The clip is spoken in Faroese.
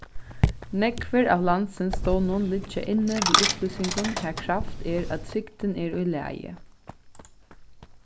nógvir av landsins stovnum liggja inni við upplýsingum har kravt er at trygdin er í lagi